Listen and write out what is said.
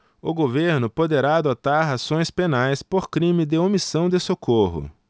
o governo poderá adotar ações penais por crime de omissão de socorro